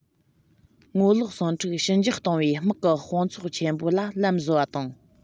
ངོ ལོག ཟིང འཁྲུག ཞི འཇགས གཏོང བའི དམག གི དཔུང ཚོགས ཆེན པོ ལ ལམ བཟོ བ དང